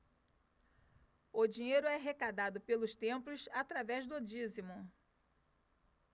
o dinheiro é arrecadado pelos templos através do dízimo